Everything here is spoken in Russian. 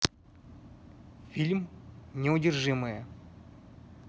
фильм неудержимые